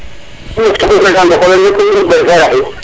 o fada nga na xa qoles